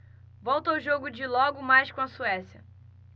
volto ao jogo de logo mais com a suécia